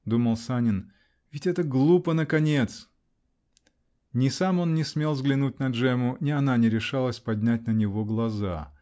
-- думал Санин, -- ведь это глупо наконец!" Ни сам он не смел взглянуть на Джемму, ни она не решалась поднять на него глаза.